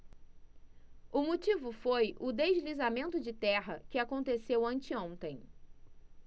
o motivo foi o deslizamento de terra que aconteceu anteontem